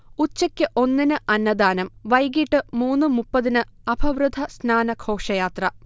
ഉച്ചക്ക് ഒന്നിന് അന്നദാനം വൈകീട്ട് മൂന്ന് മുപ്പതിന് അവഭൃഥ സ്നാന ഘോഷയാത്ര